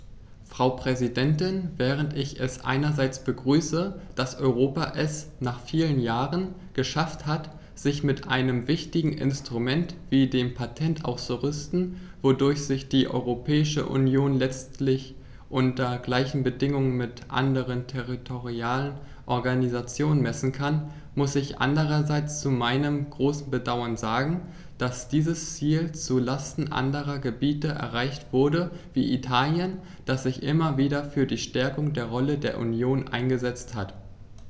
Frau Präsidentin, während ich es einerseits begrüße, dass Europa es - nach vielen Jahren - geschafft hat, sich mit einem wichtigen Instrument wie dem Patent auszurüsten, wodurch sich die Europäische Union letztendlich unter gleichen Bedingungen mit anderen territorialen Organisationen messen kann, muss ich andererseits zu meinem großen Bedauern sagen, dass dieses Ziel zu Lasten anderer Gebiete erreicht wurde, wie Italien, das sich immer wieder für die Stärkung der Rolle der Union eingesetzt hat.